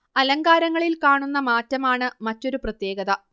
അലങ്കാരങ്ങളിൽ കാണുന്ന മാറ്റമാണ് മറ്റൊരു പ്രത്യേകത